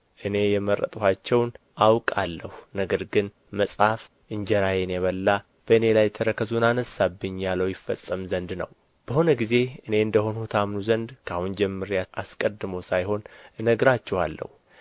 እኔ የመረጥኋቸውን አውቃለሁ ነገር ግን መጽሐፍ እንጀራዬን የሚበላ በእኔ ላይ ተረከዙን አነሣብኝ ያለው ይፈጸም ዘንድ ነው በሆነ ጊዜ እኔ እንደ ሆንሁ ታምኑ ዘንድ ከአሁን ጀምሬ አስቀድሞ ሳይሆን እነግራችኋለሁ